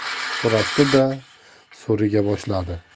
turib so'rashdi da so'riga boshladi